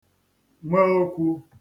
nwe okwu